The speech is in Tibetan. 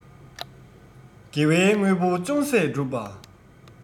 དགེ བའི དངོས པོ ཅུང ཟད སྒྲུབ པ